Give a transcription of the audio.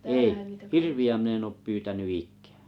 ei hirviä minä en ole pyytänyt ikään